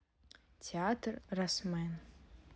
театр ромэн